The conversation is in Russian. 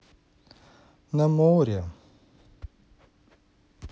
на море